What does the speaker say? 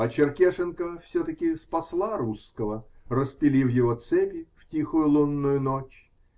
А черкешенка все-таки спасла русского, распилив его цепи в тихую лунную ночь.